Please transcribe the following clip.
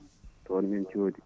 toon min coodi